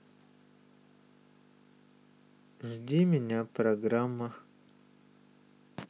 жди меня программа